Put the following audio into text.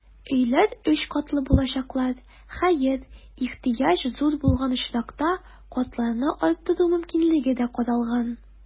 Өйләр өч катлы булачаклар, хәер, ихтыяҗ зур булган очракта, катларны арттыру мөмкинлеге дә каралган.